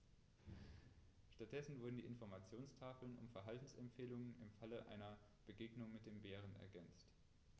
Stattdessen wurden die Informationstafeln um Verhaltensempfehlungen im Falle einer Begegnung mit dem Bären ergänzt.